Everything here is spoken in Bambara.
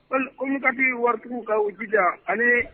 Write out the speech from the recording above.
Paul an ka di waritigiw ka u ji la ani